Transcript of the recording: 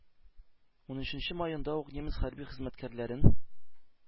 Унөченче маенда ук немец хәрби хезмәткәрләрен